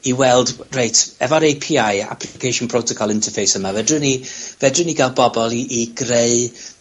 i weld, reit, efo'r Ay Pee Eye Application Protocol Interface yma fedrwn ni fedrwn ni ga'l bobol i i greu